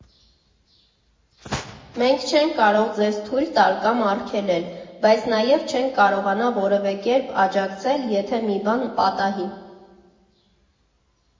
Մենք չենք կարող ձեզ թույլ տալ կամ արգելել, բայց նաև չենք կարողանա որևէ կերպ աջակցել, եթե մի բան պատահի։